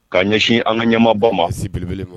Ka ɲɛsin an ka ɲɛbɔ maa sielebele bɔ